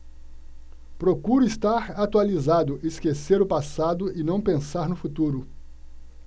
procuro estar atualizado esquecer o passado e não pensar no futuro